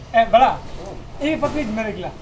Ɛɛ bala i bi papier jumɛn de gilan?